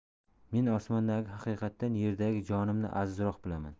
men osmondagi haqiqatdan yerdagi jonimni azizroq bilaman